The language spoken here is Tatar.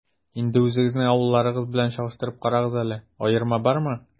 Инде үзегезнең авылларыгыз белән чагыштырып карагыз әле, аерма бармы?